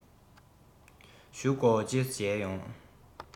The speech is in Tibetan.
བཞུགས དགོས རྗེས སུ མཇལ ཡོང